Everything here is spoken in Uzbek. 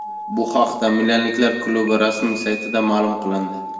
bu haqda milanliklar klubi rasmiy saytida ma'lum qilindi